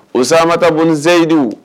O samata boneyidu